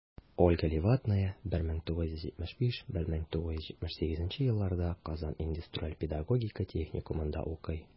Ольга Левадная 1975-1978 елларда Казан индустриаль-педагогика техникумында укый.